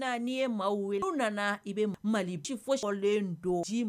N'i ye maa weele u nana i bɛ mali bi fɔlen don di